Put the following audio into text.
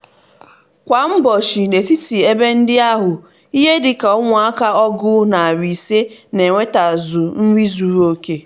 Kwa ụbọchị n'etiti ebe ndị ahụ ihe dị ka ụmụaka 500 na-enwetazu nrị zuru oke.